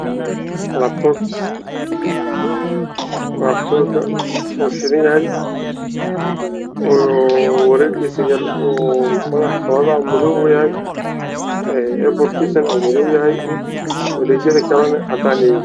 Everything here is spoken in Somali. Waa laabtoob oo daaran midabkiis yahay madow iyo caddaan